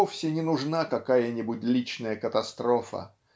вовсе не нужна какая-нибудь личная катастрофа